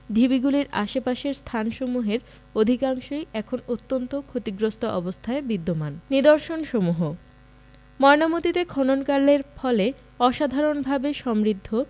ঢিবিগুলির আশে পাশের স্থানসমূহের অধিকাংশই এখন অত্যন্ত ক্ষতিগ্রস্ত অবস্থায় বিদ্যমান নিদর্শনসমূহ ময়নামতীতে খননকার্যের ফলে অসাধারণভাবে সমৃদ্ধ